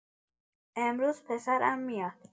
امروز پسرم میاد.